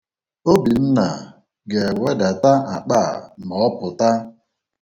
Obinna ga-ewedata akpa a ma ọ pụta.